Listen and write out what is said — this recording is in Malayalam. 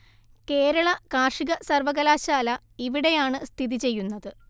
കേരള കാര്‍ഷിക സര്‍വ്വകലാശാല ഇവിടെയാണ് സ്ഥിതിചെയ്യുന്നത്